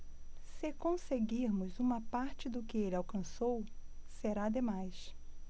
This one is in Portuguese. se conseguirmos uma parte do que ele alcançou será demais